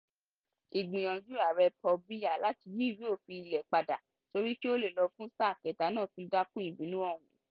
Ìgbìyànjú Ààrẹ Paul Biya láti yí ìwé òfin ilẹ̀ padà torí kí ó lè lọ fún sáà kẹta náà tún dá kún ìbínú ọ̀ún.